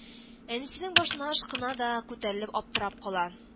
Әнисенең башына ышкына да, күтәрелеп аптырап кала: